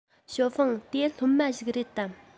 ཞའོ ཧྥུང དེ སློབ མ ཞིག རེད དམ